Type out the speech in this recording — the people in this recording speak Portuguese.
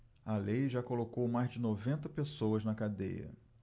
a lei já colocou mais de noventa pessoas na cadeia